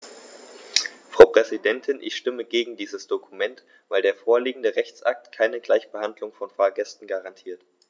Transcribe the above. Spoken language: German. Frau Präsidentin, ich stimme gegen dieses Dokument, weil der vorliegende Rechtsakt keine Gleichbehandlung von Fahrgästen garantiert.